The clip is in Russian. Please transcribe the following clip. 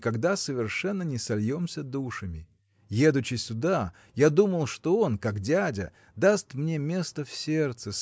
никогда совершенно не сольемся душами. Едучи сюда я думал что он как дядя даст мне место в сердце